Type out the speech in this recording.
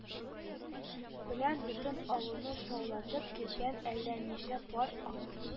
Белән бөтен авылны шаулатып килгән әллә ничә пар ат,